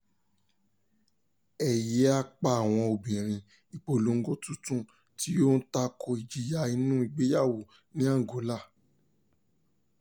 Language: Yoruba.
Ẹ Yé é Pa Àwọn Òbìnrin' – ìpolongo tuntun tí ó ń tako ìjìyà inú ìgbéyàwó ní Angola